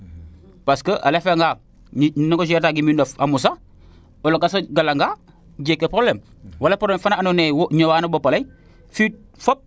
parce :fraq ue a refa ngaa ne negocier ata no mbinof a mosa o lakas a garanga jeg kee probleme wala probleme faa ando naye ñowaano bo pare fi fop